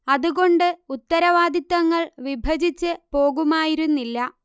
അതുകൊണ്ട് ഉത്തരവാദിത്തങ്ങൾ വിഭജിച്ച് പോകുമായിരുന്നില്ല